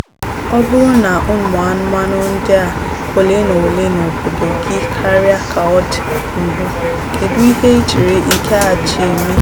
"Ọ bụrụ na ụmụanụmanụ ndị a dị ole na ole n'obodo gị karịa ka ọ dị na mbụ, kedu ihe i chere nke a ji mee?